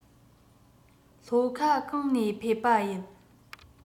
ལྷོ ཁ གང ནས ཕེབས པ ཡིན